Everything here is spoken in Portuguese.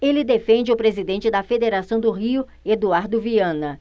ele defende o presidente da federação do rio eduardo viana